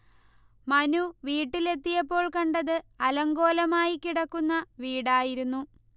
മനു വീട്ടിലെത്തിയപ്പോൾ കണ്ടത് അലങ്കോലമായി കിടക്കുന്ന വീടായിരുന്നു